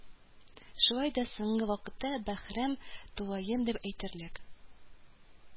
Шулай да соңгы вакытта Бәһрәм тулаем дип әйтерлек